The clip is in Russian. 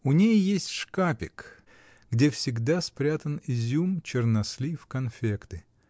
У ней есть шкапик, где всегда спрятан изюм, чернослив, конфекты.